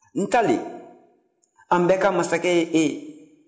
ntalen an bɛɛ ka masakɛ y'e ye